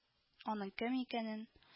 Аның кем икәнен